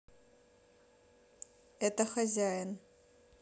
это хозяин